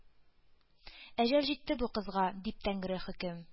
«әҗәл җитте бу кызга!»— дип, тәңре хөкем